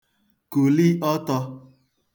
kùli ọtọ̄